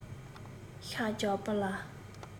ཤ རྒྱགས པ ལ